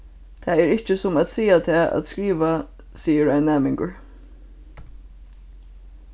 tað er ikki sum at siga tað at skriva sigur ein næmingur